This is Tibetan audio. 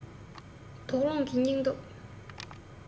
དོགས སློང གི སྙིང སྟོབས